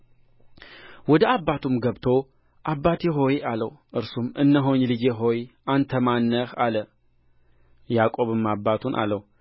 ወደ አባቱም ገብቶ አባቴ ሆይ አለው እርሱም እነሆኝ ልጄ ሆይ አንተ ማን ነህ አለ ያዕቆብም አባቱን አለው